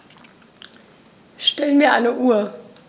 Stell mir eine Uhr.